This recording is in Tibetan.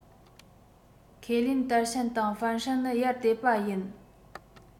ཁས ལེན དར ཤན དང ཧྥང ཧྲན ནི ཡར བལྟས པ ཡིན